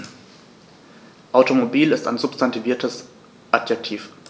Automobil ist ein substantiviertes Adjektiv.